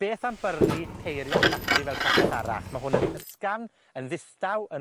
beth am byrni peiriant batri fel popeth arall? Ma' hwn yn ysgafn, yn ddistaw, yn